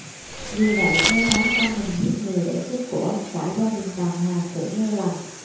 vì vậy nghe báo con mình giết người để cướp của cả gia đình bàng hoàng tưởng nghe lầm